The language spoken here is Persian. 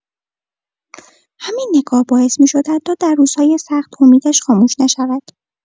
همین نگاه باعث می‌شد حتی در روزهای سخت، امیدش خاموش نشود.